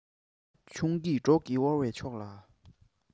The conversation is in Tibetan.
ཆུང སྐྱེས གྲོགས ཀྱིས བོར བའི ཕྱོགས ལ